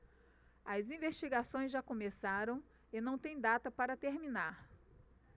as investigações já começaram e não têm data para terminar